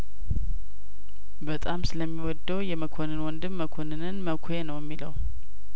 በጣም ስለሚወደው የመኮንን ወንድም መኮንንን መኳ ነው የሚለው